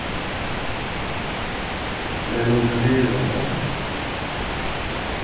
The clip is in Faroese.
men um tað verður ov nógv